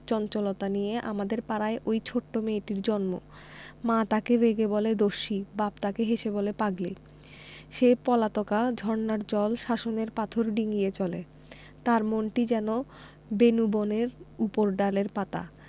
চঞ্চলতা নিয়ে আমাদের পাড়ায় ঐ ছোট মেয়েটির জন্ম মা তাকে রেগে বলে দস্যি বাপ তাকে হেসে বলে পাগলি সে পলাতকা ঝরনার জল শাসনের পাথর ডিঙ্গিয়ে চলে তার মনটি যেন বেনূবনের উপরডালের পাতা